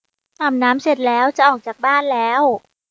อาบน้ำเสร็จแล้วจะออกจากบ้านแล้ว